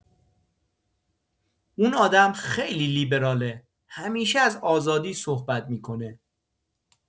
اون آدم خیلی لیبراله، همیشه از آزادی صحبت می‌کنه.